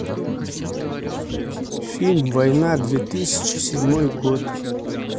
фильм война две тысячи седьмой год